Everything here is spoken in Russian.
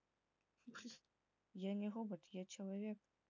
я не робот я человек